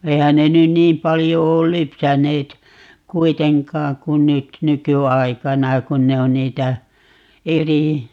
eihän ne nyt niin paljon ole lypsäneet kuitenkaan kun nyt nykyaikana kun ne on niitä eri